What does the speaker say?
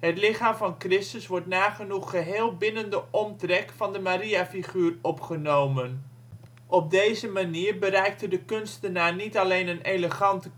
lichaam van Christus wordt nagenoeg geheel binnen de omtrek van de Maria-figuur opgenomen. Op deze manier bereikte de kunstenaar niet alleen een elegante